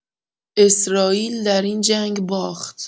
اسراییل در این جنگ باخت.